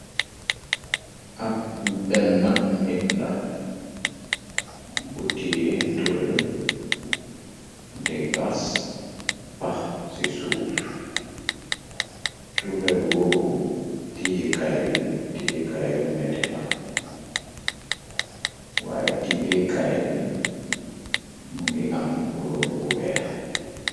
ak benn nit la bu tie turel di xas pax ci suuf turelwoowu tiyekaay wi tiyekaay wu nete la wayé tibeekaay bi mu ngi am kuloor wu weex